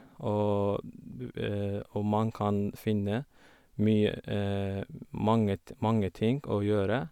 og Og man kan finne mye mange t mange ting å gjøre.